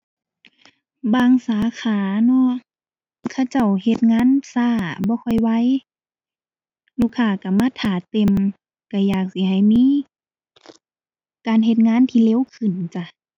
บางสาขาเนาะ เขาเจ้าเฮ็ดงานช้า บ่ค่อยไว ลูกค้าช้ามาท่าเต็ม ช้าอยากสิให้มีการเฮ็ดงานที่เร็วขึ้นจ้ะ